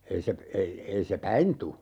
ei se ei ei se päin tule